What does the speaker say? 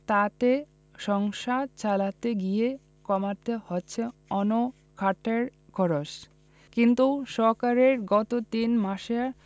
তাতে সংসার চালাতে গিয়ে কমাতে হচ্ছে অন্য খাতের খরচ কিন্তু সরকারের গত তিন মাসের